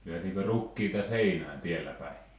lyötiinkö rukiita seinään täällä päin